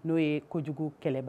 N'o ye kojugu kɛlɛba